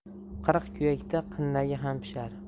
qirqkuyakda qindagi ham pishar